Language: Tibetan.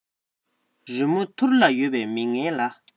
རི མོ ཐུར ལ ཡོད པའི མི ངན ལ